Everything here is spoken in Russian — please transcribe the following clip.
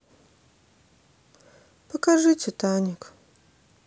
покажи титаник